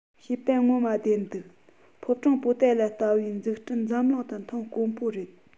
བཤད པ ངོ མ བདེན འདུག ཕོ བྲང པོ ཏ ལ ལྟ བུའི འཛུགས སྐྲུན འཛམ གླིང དུ མཐོང དཀོན པོ རེད